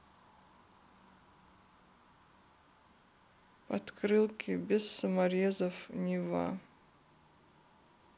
подкрылки без саморезов нива